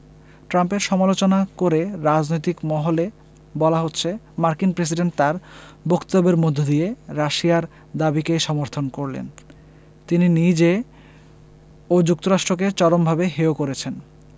ট্রাম্পের সমালোচনা করে রাজনৈতিক মহলে বলা হচ্ছে মার্কিন প্রেসিডেন্ট তাঁর বক্তব্যের মধ্য দিয়ে রাশিয়ার দাবিকেই সমর্থন করলেন তিনি নিজে ও যুক্তরাষ্ট্রকে চরমভাবে হেয় করেছেন